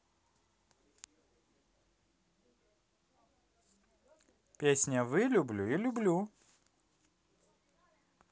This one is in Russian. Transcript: песня вылюблю и люблю